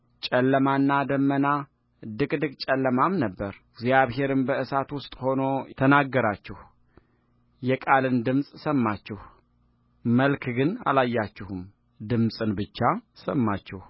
ጨለማና ደመና ድቅድቅ ጨለማም ነበረእግዚአብሔርም በእሳት ውስጥ ሆኖ ተናገራችሁ የቃልን ድምፅ ሰማችሁ መልክ ግን አላያችሁም ድምፅን ብቻ ሰማችሁ